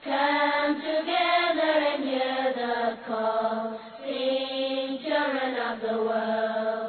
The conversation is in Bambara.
Santigɛ den da kɔ nk caman laban wa